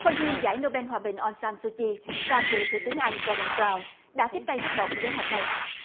khôi nguyên giải nô ben hòa bình on sa sô chi và cựu thủ tướng anh gô đon rao đã tiếp tay phát động kế hoạch này